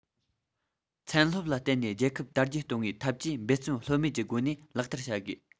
ཚན སློབ ལ བརྟེན ནས རྒྱལ ཁབ དར རྒྱས གཏོང བའི འཐབ ཇུས འབད བརྩོན ལྷོད མེད ཀྱི སྒོ ནས ལག བསྟར བྱ དགོས